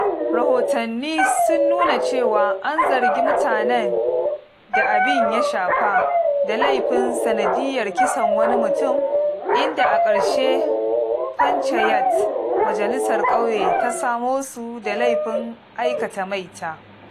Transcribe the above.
Rahotanni sun nuna cewa, an zargi mutanen da abin ya shafa da laifin sanadiyyar kisan wani mutum, inda a ƙarshe Panchayat (majalisar ƙauye) ta same su da laifin aikata maita.